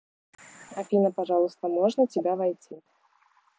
афина пожалуйста можно тебя войти